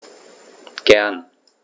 Gern.